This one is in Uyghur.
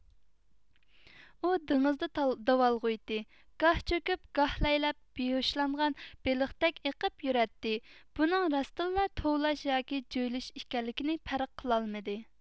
ئۇ دېڭىزدا داۋالغۇيتتى گاھ چۆكۈپ گاھ لەيلەپ بىھۇشلانغان بېلىقتەك ئېقىپ يۈرەتتى بۇنىڭ راستىنلا توۋلاش ياكى جۆيلۈش ئىكەنلىكىنى پەرق قىلالمىدى